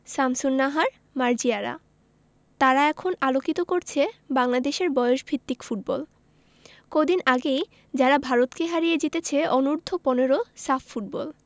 শামসুন্নাহার মার্জিয়ারা তারা এখন আলোকিত করছে বাংলাদেশের বয়সভিত্তিক ফুটবল কদিন আগেই যারা ভারতকে হারিয়ে জিতেছে অনূর্ধ্ব ১৫ সাফ ফুটবল